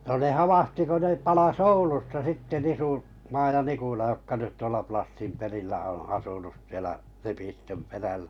no ne havahtui kun ne palasi Oulusta sitten - Nisumaa ja Nikula jotka nyt tuolla Plassin perillä on asunut siellä Lepistön perällä